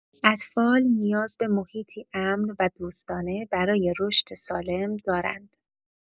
اطفال نیاز به محیطی امن و دوستانه برای رشد سالم دارند.